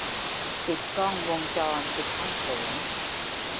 ปิดกล้องวงจรปิดห้องโถง